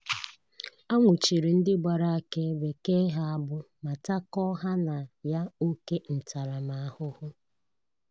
A nwụchiri ndị gbara akaebe, kee ha agbụ ma takọọ ha na ya óké ntaramahụhụ.